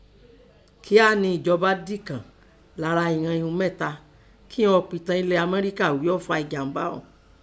Kíá nẹ ẹ̀jọbá dikan lára ìnan ihun mẹ́ta kínọn ọ̀pìtàn elẹ̀ Amọ́ríkà ghí ọ́ fa ìjàm̀bá ọ̀ún